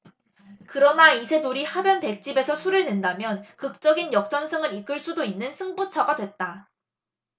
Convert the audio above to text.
그러나 이세돌이 하변 백집에서 수를 낸다면 극적인 역전승을 이끌 수도 있는 승부처가 됐다